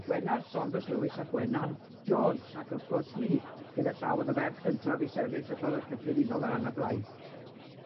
Gwenallt, Saunders Lewis a Gwenan Jones, ac wrth gwrs hi gyda llaw o'dd y ferch gyntaf i sefyll etholiad cyffredinol ar ran blaid.